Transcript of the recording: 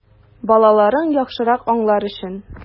Балаларын яхшырак аңлар өчен!